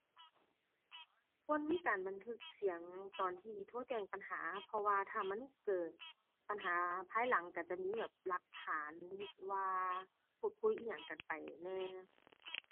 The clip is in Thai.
ควรมีการบันทึกเสียงตอนที่โทรแจ้งปัญหา เพราะว่าถ้ามันเกิดปัญหาภายหลัง ก็จะมีแบบหลักฐานว่าพูดคุยอิหยังกันไปแหน่